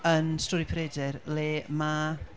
yn stori Peredur le ma'...